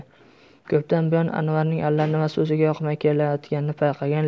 ko'pdan buyon anvarning allanimasi o'ziga yoqmay kelayotganini payqagan